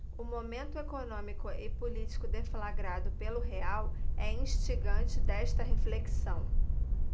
o momento econômico e político deflagrado pelo real é instigante desta reflexão